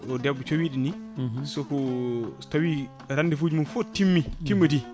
debbo cowiɗo ni soko so tawi rendez-vous mum foof timmi timmidi